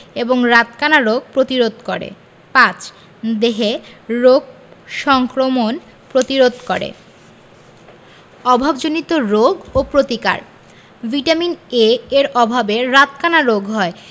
এবং রাতকানা রোগ প্রতিরোধ করে ৫. দেহে রোগ সংক্রমণ প্রতিরোধ করে অভাবজনিত রোগ ও প্রতিকার ভিটামিন A এর অভাবে রাতকানা রোগ হয়